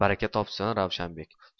baraka topsin ravshanbek